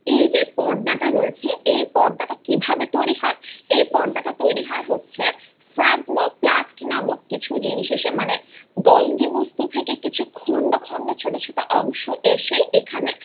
এইযে পর্দা টা রয়েছে এ পর্দা টা কিভাবে তৈরি হয় এ পর্দাটা তৈরি হয় হচ্ছে ফ্রাগমোপ্লাস্ট নামক কিছু জিনিস এসে মানে গলজি বস্তু থেকে কিছু খন্ড খন্ড ছোট ছোট অংশ এসে এখানে